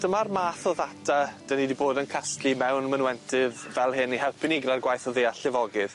Dyma'r math o ddata 'dyn ni 'di bod yn casglu mewn mynwentydd fel hyn i helpu ni gyda'r gwaith o ddeall llefogydd.